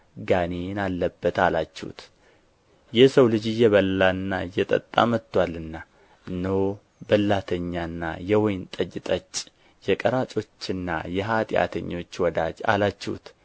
ጋኔን አለበት አላችሁት የሰው ልጅ እየበላና እየጠጣ መጥቶአልና እነሆ በላተኛና የወይን ጠጅ ጠጭ የቀራጮችና የኃጢአተኞች ወዳጅ አላችሁት